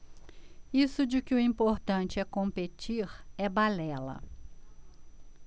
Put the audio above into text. isso de que o importante é competir é balela